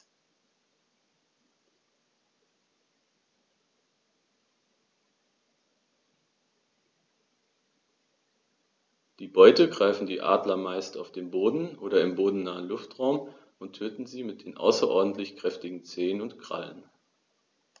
Die Beute greifen die Adler meist auf dem Boden oder im bodennahen Luftraum und töten sie mit den außerordentlich kräftigen Zehen und Krallen.